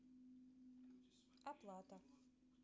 оплата